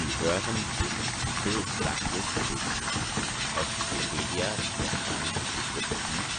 hören den Artikel Douglas DC-8, aus Wikipedia, der freien Enzyklopädie